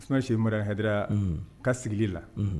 Sina see marirahara ka sigili la